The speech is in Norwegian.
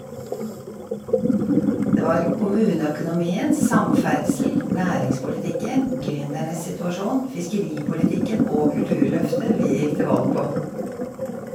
Det var kommuneøkonomien, samferdsel, næringspolitikken, gründernes situasjon, fiskeripolitikken og kulturløftet vi gikk til valg på.